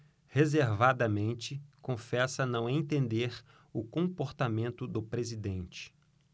reservadamente confessa não entender o comportamento do presidente